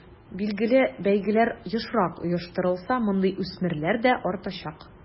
Билгеле, бәйгеләр ешрак оештырылса, мондый үсмерләр дә артачак.